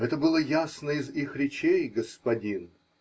-- Это было ясно из их речей, господин.